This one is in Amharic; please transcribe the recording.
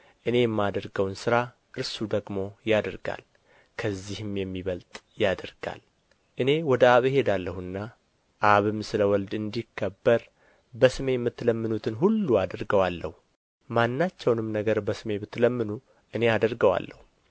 እኔ የማደርገውን ሥራ እርሱ ደግሞ ያደርጋል ከዚህም የሚበልጥ ያደርጋል እኔ ወደ አብ እሄዳለሁና አብም ስለ ወልድ እንዲከበር በስሜ የምትለምኑትን ሁሉ አደርገዋለሁ ማናቸውንም ነገር በስሜ ብትለምኑ እኔ አደርገዋለሁ